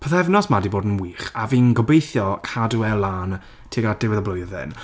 Pythefynos 'ma di bod yn wych a fi'n gobeithio cadw e lan tuag at diwedd y blwyddyn.